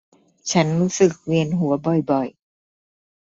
ฉันรู้สึกเวียนหัวบ่อยบ่อย